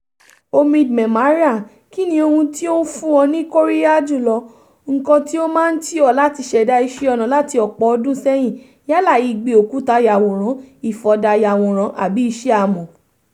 Omid Memarian: Kínni ohun tí ó ń fún ọ ní kóríyá jùlọ, nǹkan tí ó máa ń tì ọ́ láti ṣẹ̀dá iṣẹ́ ọnà láti ọ̀pọ̀ ọdún sẹ́yìn, yálà ìgbẹ́-òkúta-yàwòrán, ìfọ̀dà-yàwòrán, àbí iṣẹ́ amọ̀?